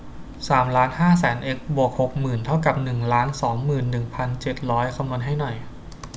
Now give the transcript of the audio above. สามล้านห้าแสนเอ็กซ์บวกหกหมื่นเท่ากับหนึ่งล้านสองหมื่นหนึ่งพันเจ็ดร้อยคำนวณให้หน่อย